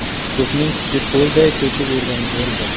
ko'pning kuchi ko'lday ko'chib yurgan yelday